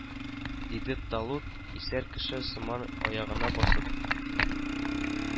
Диде талут исәр кеше сыман, аягына басып